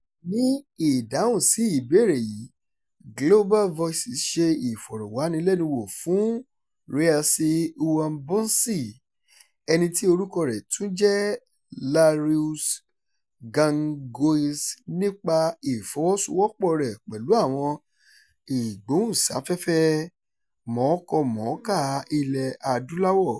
Ní ìdáhùn sí ìbéèrè yìí, Global Voices ṣe ìfọ̀rọ̀wánilẹ́nuwò fún Réassi Ouabonzi, ẹni tí orúkọ rẹ̀ tún ún jẹ́ Lareus Gangoueus nípa ìfọwọ́sowọ́pọ̀ rẹ̀ pẹ̀lú àwọn ìgbóhùnsáfẹ́fẹ́ mọ̀ọ́kọmọ̀ọ́kà Ilẹ̀ Adúláwò.